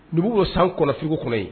Dugu o san kɔnɔ sugu kɔnɔ ye